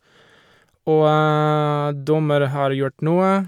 Og dommer har gjort noe.